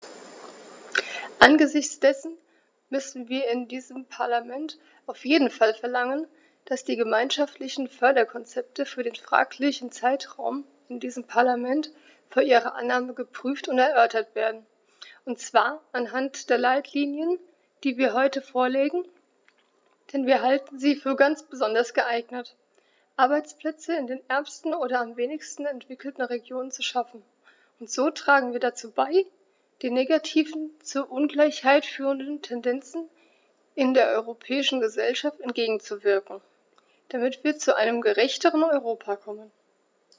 Angesichts dessen müssen wir in diesem Parlament auf jeden Fall verlangen, dass die gemeinschaftlichen Förderkonzepte für den fraglichen Zeitraum in diesem Parlament vor ihrer Annahme geprüft und erörtert werden, und zwar anhand der Leitlinien, die wir heute vorlegen, denn wir halten sie für ganz besonders geeignet, Arbeitsplätze in den ärmsten oder am wenigsten entwickelten Regionen zu schaffen, und so tragen wir dazu bei, den negativen, zur Ungleichheit führenden Tendenzen in der europäischen Gesellschaft entgegenzuwirken, damit wir zu einem gerechteren Europa kommen.